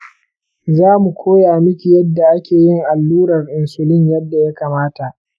za mu koya miki yadda ake yin allurar insulin yadda ya kamata.